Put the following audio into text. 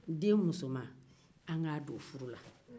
denmusoman an k'a don furu la